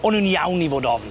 O'n nw'n iawn i fod ofn.